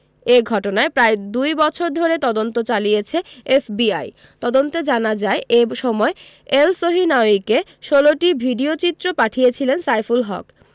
এ ঘটনায় প্রায় দুই বছর ধরে তদন্ত চালিয়েছে এফবিআই তদন্তে জানা যায় এ সময় এলসহিনাউয়িকে ১৬টি ভিডিওচিত্র পাঠিয়েছিলেন সাইফুল হক